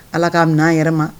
Ala k'a minɛ an yɛrɛ ma